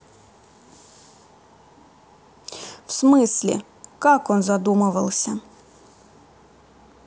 в смысле как он задумывался